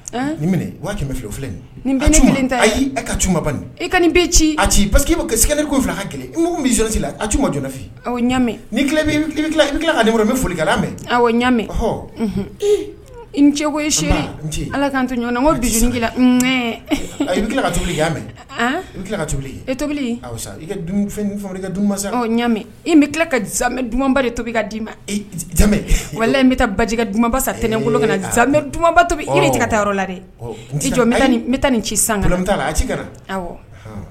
Waati fi filɛ kelen ta ayi ka tu bali e ka ci ayi pa k'ili fila ka kelen bɛsi a ma ɲamɛ ni foli mɛ ɲaɔ ce isi ala k' to ɲɔgɔn kola a bɛ tila ka tobili' mɛn i tila ka tobili e tobili i ɲami i bɛ tila ka dumanba de to ka d'i ma wa n bɛ taa bajɛ dumanba sa ntɛnɛn na dumanbato i taa yɔrɔ la dɛ n tɛ jɔ taa nin ci san